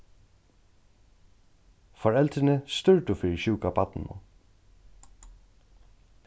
foreldrini stúrdu fyri sjúka barninum